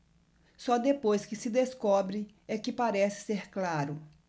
só depois que se descobre é que parece ser claro